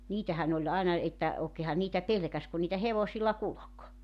niitähän oli aina että oikeinhan niitä pelkäsi kun niitä hevosilla kulki